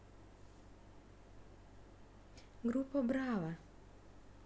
группа браво